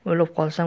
o'lib qolsam